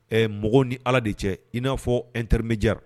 Ɛɛ mɔgɔw ni Ala de cɛ i na fɔ intermédiaire